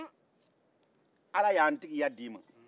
ala y'an tigiya d'i ma